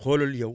xoolal yow